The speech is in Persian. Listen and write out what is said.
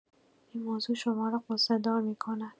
این موضوع شما را غصه‌دار می‌کند.